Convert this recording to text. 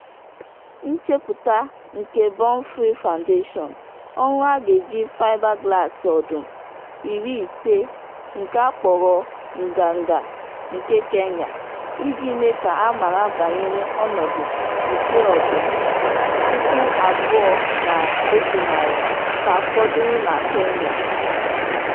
Nchepụta nke Born Free Foundation, ọrụ a ga-eji fiberglass ọdụm 50, nke a kpọrọ 'Pride of Kenya' iji mee ka a mara banyere ọnọdụ nke ọdụm 2,100 ka fọdụrụ na Kenya.